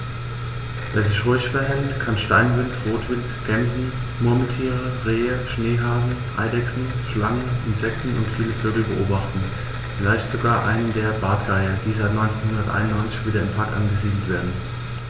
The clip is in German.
Wer sich ruhig verhält, kann Steinwild, Rotwild, Gämsen, Murmeltiere, Rehe, Schneehasen, Eidechsen, Schlangen, Insekten und viele Vögel beobachten, vielleicht sogar einen der Bartgeier, die seit 1991 wieder im Park angesiedelt werden.